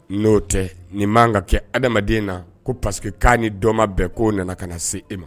N'o tɛ nin ma ka kɛ adamaden na ko paseke k'a ni dɔ ma bɛn k'o nana ka na se e ma